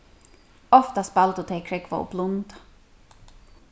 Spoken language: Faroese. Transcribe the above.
ofta spældu tey krógva og blunda